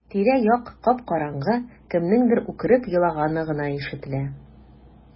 Тирә-як кап-караңгы, кемнеңдер үкереп елаганы гына ишетелә.